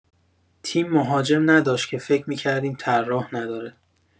تیم مهاجم نداشت که فک می‌کردیم طراح نداره